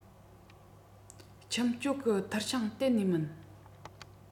ཁྱིམ སྤྱོད གི མཐིལ ཤིང གཏན ནས མིན